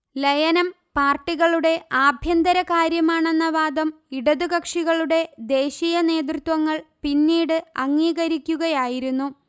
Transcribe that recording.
ലയനം പാർട്ടികളുടെ ആഭ്യന്തര കാര്യമാണെന്ന വാദം ഇടതു കക്ഷികളുടെ ദേശീയ നേതൃത്വങ്ങൾ പിന്നീട് അംഗീകരിക്കുകയായിരുന്നു